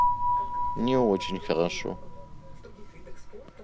не очень хорошо